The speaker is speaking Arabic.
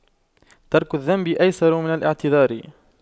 ترك الذنب أيسر من الاعتذار